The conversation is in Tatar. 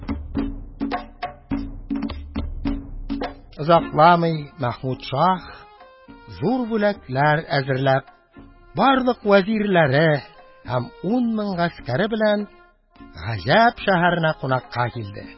Озакламый Мәхмүд шаһ, зур бүләкләр әзерләп, барлык вәзирләре һәм ун мең гаскәре белән Гаҗәп шәһәренә кунакка килде.